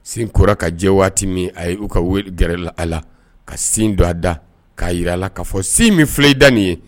Sin kora ka jɛ waati min a ye u ka gɛrɛ a la ka sin don a da ka jira a la ka fɔ sin min filɛ a da nin ye